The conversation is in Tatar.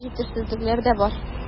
Дөрес, җитешсезлекләр дә бар.